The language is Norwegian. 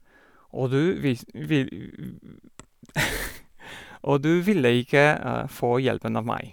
og du vis vil Og du ville ikke få hjelpen av meg.